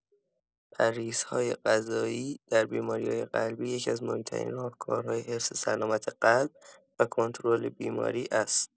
پرهیزهای غذایی در بیماری‌های قلبی یکی‌از مهم‌ترین راهکارهای حفظ سلامت قلب و کنترل بیماری است.